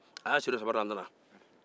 a y'a sen don sabara la n a nana